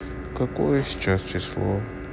какое сейчас число